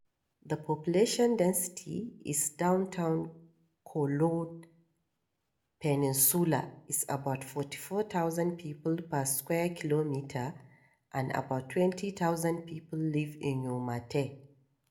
The population density in downtown Kowloon peninsula is about 44,000 people per square kilometer, and about 20,000 people live in Yau Ma Tei.